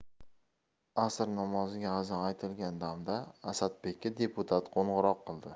asr namoziga azon aytilgan damda asadbekka deputat qo'ng'iroq qildi